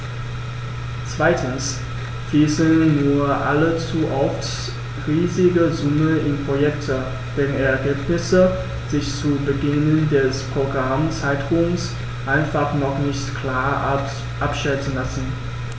Zweitens fließen nur allzu oft riesige Summen in Projekte, deren Ergebnisse sich zu Beginn des Programmzeitraums einfach noch nicht klar abschätzen lassen.